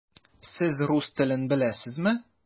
Сез рус телен беләсезме?